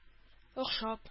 Охшап